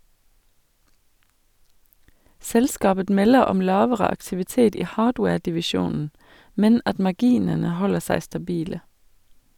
Selskapet melder om lavere aktivitet i hardwaredivisjonen, men at marginene holder seg stabile.